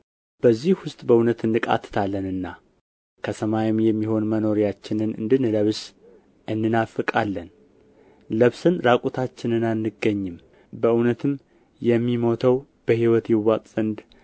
በዚህ ውስጥ በእውነት እንቃትታለንና ከሰማይም የሚሆነውን መኖሪያችንን እንድንለብስ እንናፍቃለንና ለብሰን ራቁታችንን አንገኝም በእውነትም የሚሞተው በሕይወት ይዋጥ ዘንድ